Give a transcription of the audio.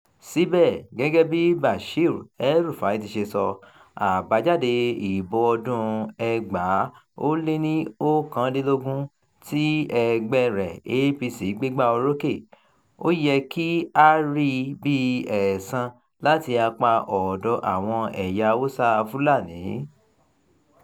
Síbẹ̀, gẹ́gẹ́ bí Bashir El-Rufai ti ṣe sọ, àbájáde ìbò ọdún-un 2019 tí ẹgbẹ́ẹ rẹ̀, APC, gbégbà-orókè. Ó yẹ kí a rí i bíi “ẹ̀san” láti apá ọ̀dọ̀ àwọn ẹ̀yà Hausa, Fulani.